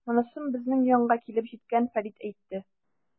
Монысын безнең янга килеп җиткән Фәрит әйтте.